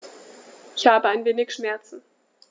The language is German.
Ich habe ein wenig Schmerzen.